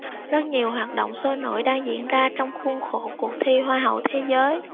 rất nhiều hoạt động sôi nổi đang diễn ra trong khuôn khổ cuộc thi hoa hậu thế giới